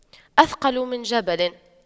أثقل من جبل